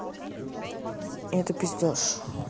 это пиздешь